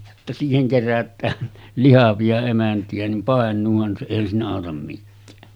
jotta siihen kerätään lihavia emäntiä niin painuuhan se eihän siinä auta mikään